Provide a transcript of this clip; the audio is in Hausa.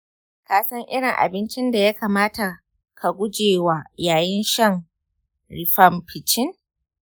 ka san irin abincin da ya kamata ka guje wa yayin shan rifampicin?